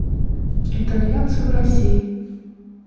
итальянцы в россии